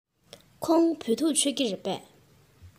ཁོང བོད ཐུག མཆོད ཀྱི རེད པས